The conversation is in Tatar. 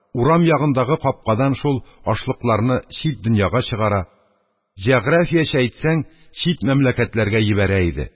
Урам ягындагы капкадан шул ашлыкларны чит дөньяга чыгара, җәгърафиячә әйтсәң, чит мәмләкәтләргә йибәрә иде.